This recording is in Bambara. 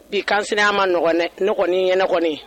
Bi kansinaya man nɔgɔn dɛ, ne kɔni ɲɛna kɔni